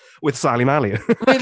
With Sali Mali